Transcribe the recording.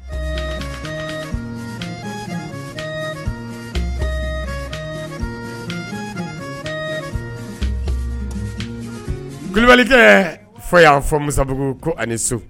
Sanli kulubalikɛ fo y'a fɔ musabugu ko ani su